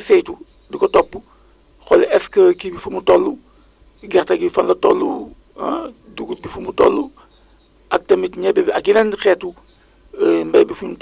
fi jotoon a am ndax nag taw yi nim teelee ren su ma juumul daaw tamit noonu la teelee woon waaye dañoo dem ba benn jamono mu daal di taxawaat ren nag ñu gis ne yëf yi daal di nay rek continué doon naataange rek ci dëkk bi ban jàngat ngeen di am ci changement climatique yi nga xamante ne ñu ngi koy jànkuwanteel